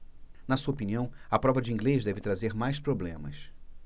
na sua opinião a prova de inglês deve trazer mais problemas